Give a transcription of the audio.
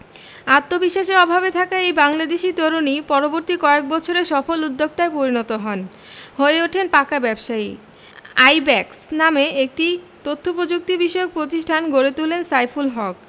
আত্মবিশ্বাসের অভাবে থাকা এই বাংলাদেশি তরুণই পরবর্তী কয়েক বছরে সফল উদ্যোক্তায় পরিণত হন হয়ে ওঠেন পাকা ব্যবসায়ী আইব্যাকস নামে একটি তথ্যপযুক্তিবিষয়ক প্রতিষ্ঠান গড়ে তোলেন সাইফুল হক